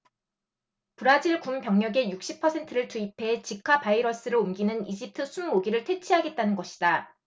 브라질 군 병력의 육십 퍼센트를 투입해 지카 바이러스를 옮기는 이집트 숲 모기를 퇴치하겠다는 것이다